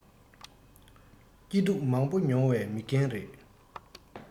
སྐྱིད སྡུག མང པོ མྱོང བའི མི རྒན རེད